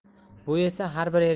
bu esa har bir